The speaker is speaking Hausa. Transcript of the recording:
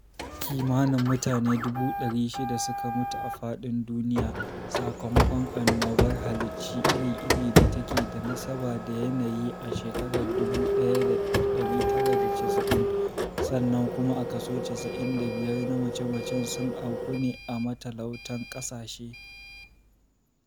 Kimanin mutane 600,000 suka mutu a faɗin duniya sakamakon annobar halicci iri-iri da take da nasaba da yanayi a shekarar 1990 sannan kuma kaso 95 na mace-macen sun auku ne a matalautan ƙasashe